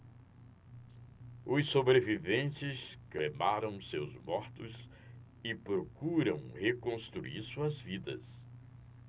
os sobreviventes cremaram seus mortos e procuram reconstruir suas vidas